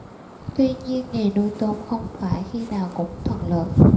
tuy nhiên nghề nuôi tôm không phải khi nào cũng thuận lợi